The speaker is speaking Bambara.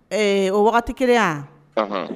Ɛɛ o wagati kelen yan